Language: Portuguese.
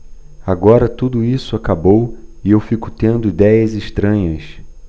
agora tudo isso acabou e eu fico tendo idéias estranhas